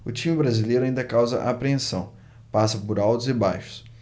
o time brasileiro ainda causa apreensão passa por altos e baixos